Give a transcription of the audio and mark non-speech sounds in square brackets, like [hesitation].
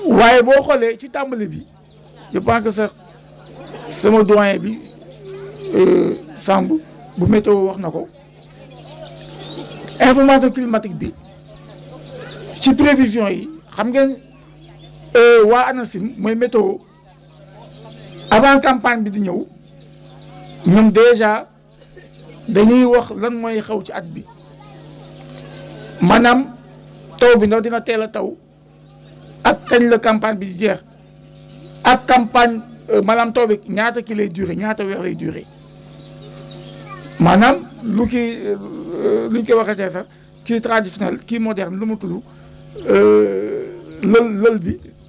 waaye boo xoolee ci tàmbali bi je pense que sax [crosstalk] sama doyen bi [hesitation] Samb bu météo wax na ko [crosstalk] information climatique bi [crosstalk] ci prévisions yi xam ngeen [hesitation] waa ANACIM mooy météo avant campagne bi di ñëw ñun dèjà dañuy wax lan mooy xew ci at bi [crosstalk] maanaam taw bi ndax dina teel a taw ak kañ la campagne bi di jeex ak campagne [hesitation] maanaam taw bi ñaata kii lay durer ñaata weer lay durer maanaam lu kii [hesitation] nu ñu koy waxatee sax kii traditionnel kii moserne nu mu tudd [hesitation] lël lël bi